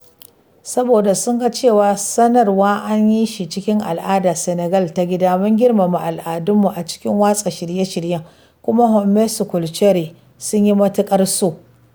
Saboda sun ga cewa samarwa an yi shi cikin al'adar Senegal ta gida… mun girmama al'adarmu a cikin watsa shirye-shiryen kuma “hommes culturels” sun yi matuƙar so.